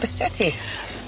Be sy â ti?